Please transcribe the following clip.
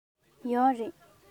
ཡོད རེད